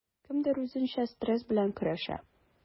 Кемдер үзенчә стресс белән көрәшә.